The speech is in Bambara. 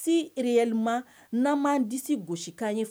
Se ereylima n'an disi gosisikan ye